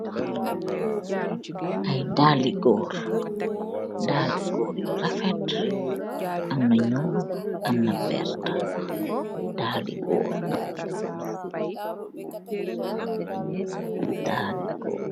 Aye daly gorr, daly gorr yu rafet. Amna nyul, amna wertah, daly gorr, dali gorr.